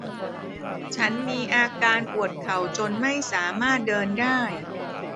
ฉันมีอาการปวดเข่าจนไม่สามารถเดินได้